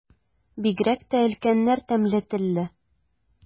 Бигрәк тә өлкәннәр тәмле телле.